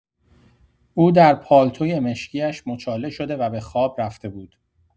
او در پالتوی مشکی‌اش مچاله شده و به خواب رفته بود.